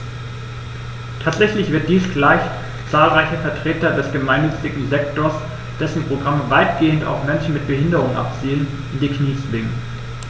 Tatsächlich wird dies gleich zahlreiche Vertreter des gemeinnützigen Sektors - dessen Programme weitgehend auf Menschen mit Behinderung abzielen - in die Knie zwingen.